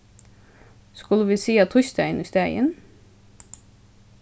skulu vit siga týsdagin ístaðin